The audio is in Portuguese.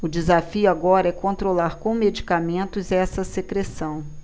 o desafio agora é controlar com medicamentos essa secreção